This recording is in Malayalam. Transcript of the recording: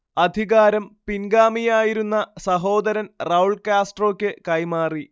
അധികാരം പിൻഗാമിയായിരുന്ന സഹോദരൻ റൗൾ കാസ്ട്രോക്ക് കൈമാറി